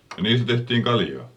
ja niistä tehtiin kaljaa